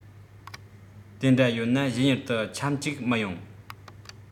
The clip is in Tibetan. དེ འདྲ ཡོད ན གཞན ཡུལ དུ ཁྱམས བཅུག མི ཡོང